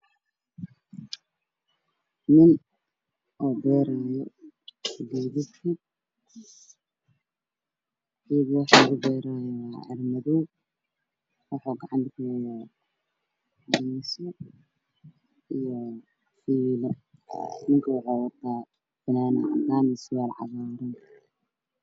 Waxaa ii muuqataa nin wax ku abuurayo dhulka wata fanaanad cadaan